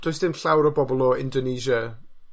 does dim llawer o bobl o Indonesia